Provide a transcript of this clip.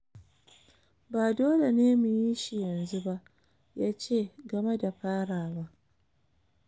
"Ba dole ne mu yi shi yanzu ba," ya ce game da farawa.